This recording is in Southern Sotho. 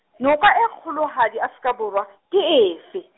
noka e kgolo hadi Afrika Borwa, ke efe?